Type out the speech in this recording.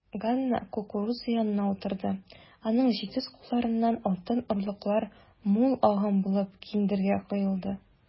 Ганна кукуруза янына утырды, аның җитез кулларыннан алтын орлыклар мул агым булып киндергә коелды.